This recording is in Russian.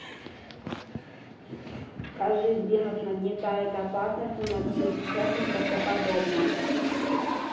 скажи где нас нагнетает опасность у нас все сейчас неправдоподобно